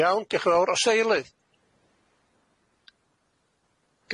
Iawn dioch yn fawr os 'a eilydd.